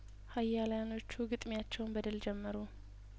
ሀያ ላኖቹ ግጥሚያቸውን በድል ጀመሩ